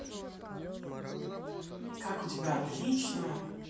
как у тебя отлично